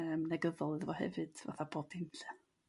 yrm negyddol iddo fo hefyd fath a pob dim 'lly.